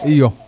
iyo